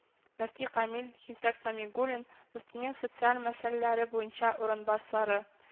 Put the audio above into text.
Мөфти камил хәзрәт сәмигуллин, мөфтинең социаль мәсьәләләр буенча урынбасары